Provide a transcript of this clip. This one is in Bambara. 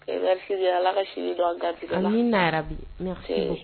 Ala kasibi dɔn gari na bi